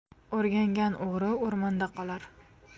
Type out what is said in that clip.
o'rgangan o'g'ri o'rmonda qolar